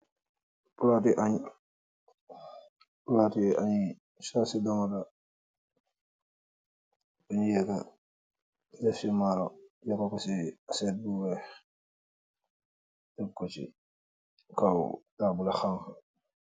Plati angh, plati anghii, sauci domoda bungh yekah, deff ci maalor, yekah kor cii asset bu wekh, tek kor cii kaw taabuli hanha.